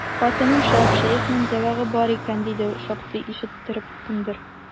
Хатын шәп, шәехнең зәвыгы бар икән, диде шактый ишеттереп кемдер.